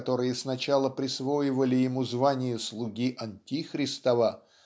которые сначала присвоивали ему "звание слуги антихристова"